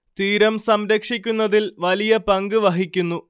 തീരം സംരക്ഷിക്കുന്നതിൽ വലിയ പങ്ക് വഹിക്കുന്നു